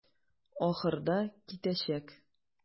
Ахырда китәчәк.